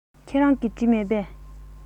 ཁྱེད རང གིས བྲིས མེད པས